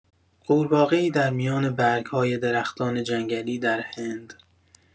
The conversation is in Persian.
قورباغه‌ای در میان برگ‌های درختان جنگلی در هند